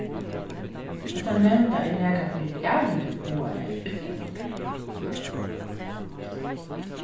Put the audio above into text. hetta nevnda er nakað fyri ævintýrhugaðar útlendingar